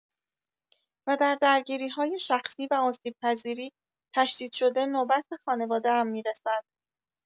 و در درگیری‌های شخصی و آسیب‌پذیری تشدیدشده نوبت به خانواده‌ام می‌رسد.